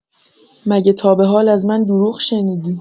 مگه تا به حال از من دروغ شنیدی؟